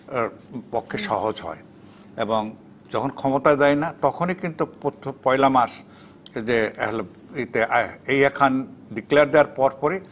পক্ষে সহজ হয় এবং যখন ক্ষমতা দেয় না তখনি কিন্তু প্রথম পহেলা মার্চ যে ইয়াহিয়া খান ডিক্লেয়ার দেয়ার পরপরই